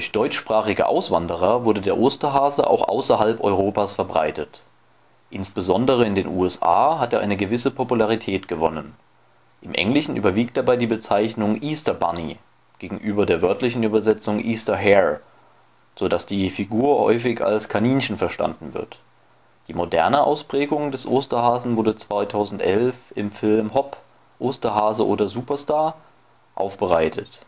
deutschsprachige Auswanderer wurde der Osterhase auch außerhalb Europas verbreitet. Insbesondere in den USA hat er eine gewisse Popularität gewonnen. Im Englischen überwiegt dabei die Bezeichnung „ Easter Bunny “gegenüber der wörtlichen Übersetzung „ Easter Hare “, sodass die Figur häufig als Kaninchen verstanden wird. Die moderne Ausprägung des Osterhasen wurde 2011 im Film Hop – Osterhase oder Superstar? aufbereitet